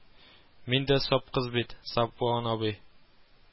Мин дә сап кыз бит, Сапуан абый